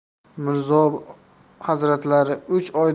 mirzo hazratlari uch